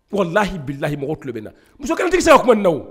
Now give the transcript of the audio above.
Lahilahi mɔgɔ ku bɛ na muso kelen tɛ se o kuma na